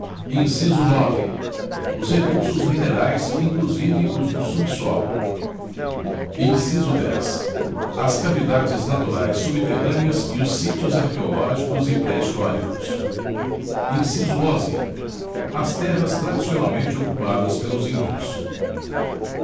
inciso nove os recursos minerais inclusive os do subsolo inciso dez as cavidades naturais subterrâneas e os sítios arqueológicos e pré históricos inciso onze as terras tradicionalmente ocupadas pelos índios